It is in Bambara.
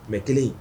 Mais 1 in